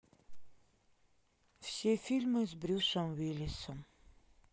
все фильмы с брюсом уиллисом